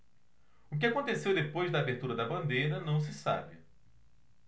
o que aconteceu depois da abertura da bandeira não se sabe